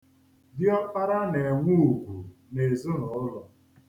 Diọkpara na-enwe ùgwù n'ezinaụlọ.